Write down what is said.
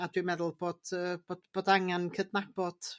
A dwi'n meddwl bod yy bod bod angan cydnabot